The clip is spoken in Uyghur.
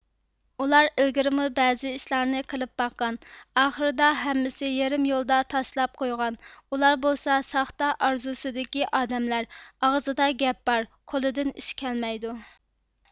ئۇلار ئىلگىرىمۇ بەزى ئىشلارنى قىلىپ باققان ئاخىرىدا ھەممىسى يېرىم يولدا تاشلاپ قويغان ئۇلار بولسا ساختا ئارزۇسىدىكى ئادەملەر ئاغزىدا گەپ بار قولىدىن ئىش كەلمەيدۇ